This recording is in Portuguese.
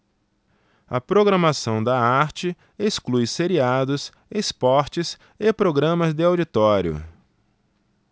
a programação da arte exclui seriados esportes e programas de auditório